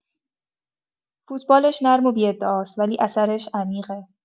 فوتبالش نرم و بی‌ادعاست، ولی اثرش عمیقه.